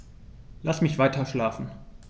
Lass mich weiterschlafen.